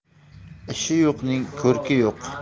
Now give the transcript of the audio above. ishi yo'qning ko'rki yo'q